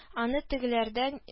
Аны тегеләрдән